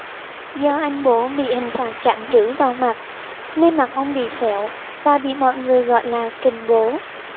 do anh bố bị hình phạt chạm chữ vào mặt nên mặt ông bị sẹo và bị mọi người gọi là kình bố